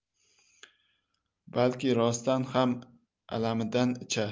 balki rostdan ham alamidan ichar